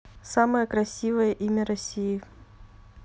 самое красивое имя россии